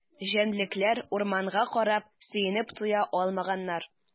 Җәнлекләр урманга карап сөенеп туя алмаганнар.